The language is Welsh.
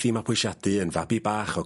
'i mapwysiadu yn fabi bach o...